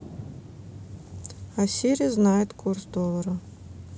а сири знает курс доллара